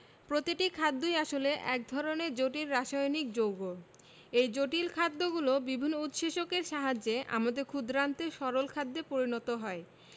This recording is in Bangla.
প্রতিটি খাদ্যই আসলে এক ধরনের জটিল রাসায়নিক যৌগ এই জটিল খাদ্যগুলো বিভিন্ন উৎসেচকের সাহায্যে আমাদের ক্ষুদ্রান্তে সরল খাদ্যে পরিণত হয়